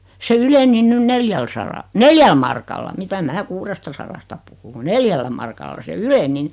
se yleni nyt neljällä - neljällä markalla mitä minä kuudestasadasta puhun kun neljällä markalla se yleni niin